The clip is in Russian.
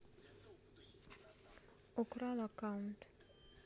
украл аккаунт